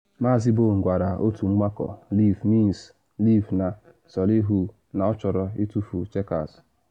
Maazị Bone gwara otu mgbakọ Leave Means Leave na Solihull na ọ chọrọ ‘itufu Chequers’.